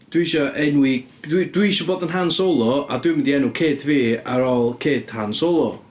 Dwi isio enwi... dwi dwi isio bod yn Han Solo, a dwi'n mynd i enw kid fi ar ôl kid Han Solo.